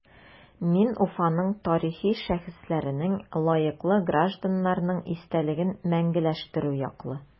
Мин Уфаның тарихи шәхесләренең, лаеклы гражданнарның истәлеген мәңгеләштерү яклы.